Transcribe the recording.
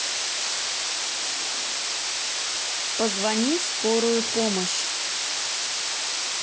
позвони в скорую помощь